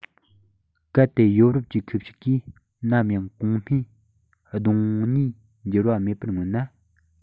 གལ ཏེ ཡོ རོབ གྱི ཁུ བྱུག གིས ནམ ཡང གོང སྨྲས གདོད ནུས འགྱུར བ མེད པར མངོན ན